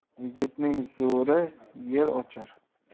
yigitning zo'ri yer ochar